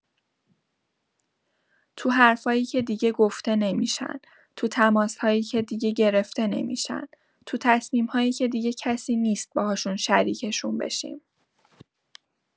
تو حرف‌هایی که دیگه گفته نمی‌شن، تو تماس‌هایی که دیگه گرفته نمی‌شن، تو تصمیم‌هایی که دیگه کسی نیست باهاشون شریکشون بشیم.